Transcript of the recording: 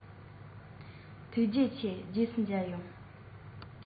མི དེ རིགས ལ ཚང མས འཛུམ དམུལ དམུལ གྱིས གཅེས ཕྲུག ལང ཤོར ཞེས འབོད པ ལས གཞན ཅི